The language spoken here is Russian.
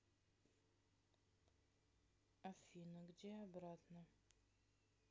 афина где обратно